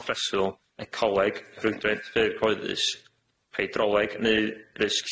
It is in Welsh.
a phreswyl, ecoleg, rhwydwaith ffyrdd cyhoeddus, heidroleg neu risg